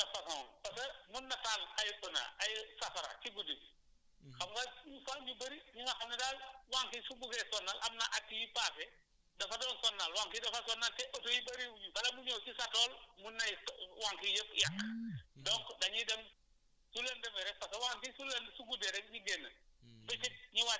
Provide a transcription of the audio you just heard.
non béykat bu ne am na façon parce que mun na taal ay pneu ay safara ci guddi gi xam nga une fois ñu bëri ñi nga xam ne daal wànq yi su buggee sonal am na at yu paase dafa doon sonal wànq yi dafa sonal te oto yi bëri wu ñu bala mu ñëw ci sa tool mun na egsi wànq yëpp yàq donc dañuy dem su leen demee rek parce que wànq yi su lën su guddee rek ñu génn